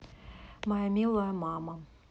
моя милая мама